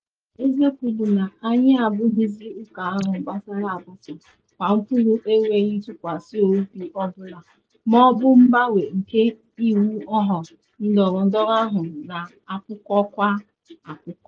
Eziokwu bụ na anyị abụghịzị ụka ahụ gbasara agbasa, kwa ụkpụrụ “enweghị ntụkwasị obi” ọ bụla ma ọ bụ mgbanwe nke iwu nhọrọ, ndọrọndọrọ ahụ na akpụkọkwa akpụkọ.